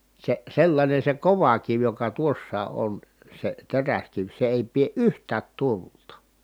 se sellainen se kova kivi joka tuossa on se teräskivi se ei pidä yhtään tulta